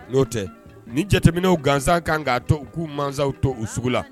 N'o tɛ ni jateminɛw gansanw kan k'a to u k'u maw to u sugu la.